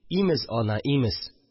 Имез, ана, имез